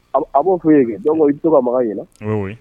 A b'o fɔ ye kɛ dɔn i toba makan ɲɛna